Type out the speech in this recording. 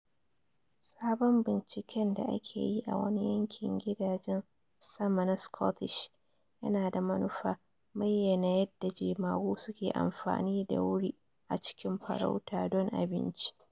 Sabon binciken da ake yi a wani yankin gidajen Sama na Scottish yana da manufa bayyana yadda jemagu suke amfani da wuri a cikin farauta don abinci.